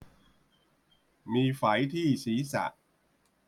มีไฝที่ศีรษะ